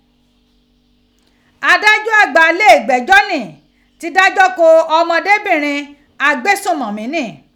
Adájọ àgbà ilé ìgbẹ́jọ́ ni ti dájọ́ ko ọmọdébìnrin agbésúnmọ̀mí ni